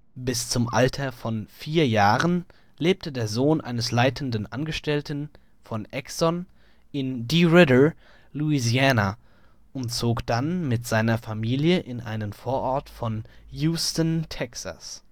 Bis zum Alter von 4 Jahren lebte der Sohn eines leitenden Angestellten von Exxon in DeRidder, Louisiana und zog dann mit seiner Familie in einen Vorort von Houston, Texas